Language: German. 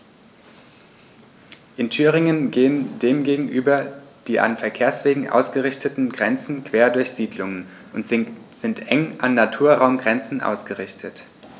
In Thüringen gehen dem gegenüber die an Verkehrswegen ausgerichteten Grenzen quer durch Siedlungen und sind eng an Naturraumgrenzen ausgerichtet.